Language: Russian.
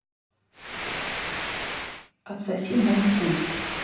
отсоси мой хуй